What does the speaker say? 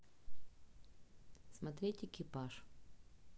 смотреть экипаж